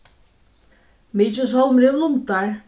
mykineshólmur hevur lundar